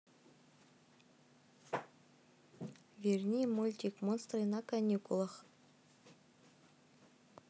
верни мультик монстры на каникулах